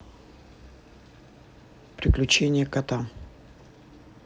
приключения кота